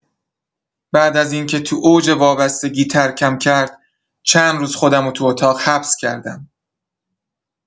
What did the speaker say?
بعد از اینکه تو اوج وابستگی، ترکم کرد، چندروز خودمو تو اتاق حبس کردم.